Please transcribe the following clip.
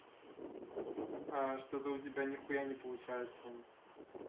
что то у тебя нихуя не получается